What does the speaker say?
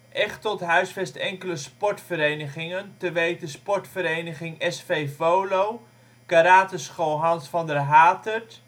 Echteld huisvest enkele sportverenigingen, te weten: Sportverenging s.v. VOLO Karateschool Hans van der Hatert